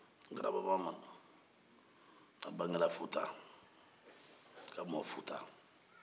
garabamama a bangera futa ka mɔ futa